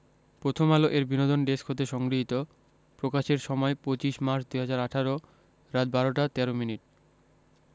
প্রথমআলো এর বিনোদন ডেস্ক হতে সংগৃহীত প্রকাশের সময় ২৫মার্চ ২০১৮ রাত ১২ টা ১৩ মিনিট